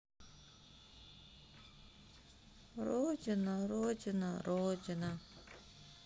родина родина родина